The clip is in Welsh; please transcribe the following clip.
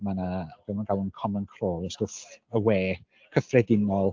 Ma' 'na be maen nhw'n galw yn common crawl stwff y we cyffredinol.